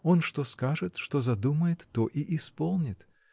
Он что скажет, что задумает, то и исполнит.